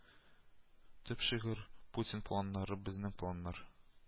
Төп шигырь - Путин планнары безнең планнар